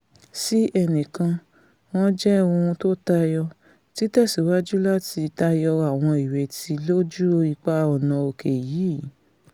Sí ẹnìkan, wọ́n j̇ẹ́ ohun tó tayọ, títẹ̀síwájú láti tayọ àwọn ìrètí lójú ipa ọ̀nà òké yìí.